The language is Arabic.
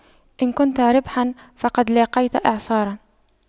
إن كنت ريحا فقد لاقيت إعصارا